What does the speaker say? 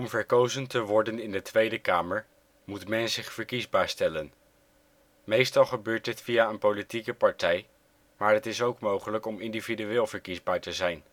verkozen te worden in de Tweede Kamer moet men zich verkiesbaar stellen. Meestal gebeurt dit via een politieke partij, maar het is ook mogelijk om individueel verkiesbaar te zijn